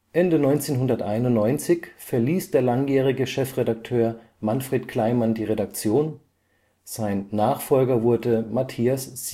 Ende 1991 verließ der langjährige Chefredakteur Manfred Kleimann die Redaktion, sein Nachfolger wurde Matthias